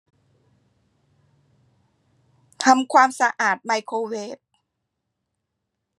ทำความสะอาดไมโครเวฟ